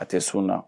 A tɛ sun na